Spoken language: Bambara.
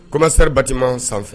Komasri batiman sanfɛ